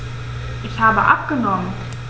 Ich habe abgenommen.